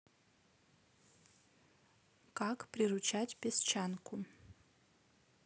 как приручать песчанку